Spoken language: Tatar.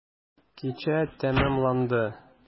Кичә тәмамланды.